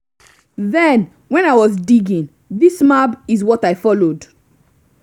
Then, when I was digging, this map is what I followed.